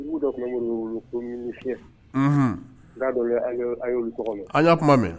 Dugu dɔ tun ko n'a dɔ'olu tɔgɔ min an y'a tuma mɛn